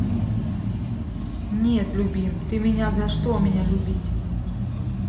нет любим ты меня за что меня любить